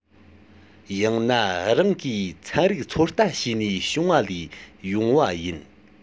ཡང ན རང གིས ཚན རིག ཚོད ལྟ བྱས ནས བྱུང བ ལས ཡོང བ ཡིན